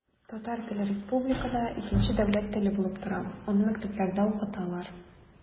Татар теле республикада икенче дәүләт теле булып тора, аны мәктәпләрдә укыталар.